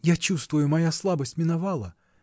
Я чувствую, моя слабость миновала.